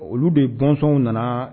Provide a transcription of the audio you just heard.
O olu de bɔnsɔnw nanaa